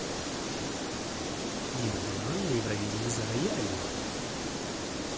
дима билан на евровидении за роялью